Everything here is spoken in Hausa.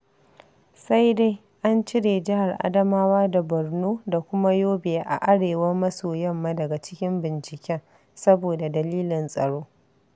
Sai dai , an cire Jihar Adamawa da Borno da kuma Yobe a Arewa-maso Yamma daga cikin binciken saboda dalilin tsaro